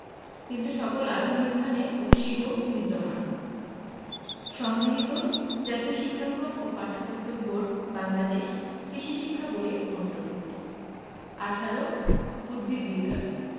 কিন্তু সকল আধুনিক ধানে উফশী গুণ বিদ্যমান সংগৃহীত জাতীয় শিক্ষাক্রম ও পাঠ্যপুস্তক বোর্ড বাংলাদেশ কৃষি শিক্ষা বই এর অন্তর্ভুক্ত ১৮ উদ্ভিদ বিজ্ঞান